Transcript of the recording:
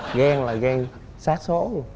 ghen là ghen xác số luôn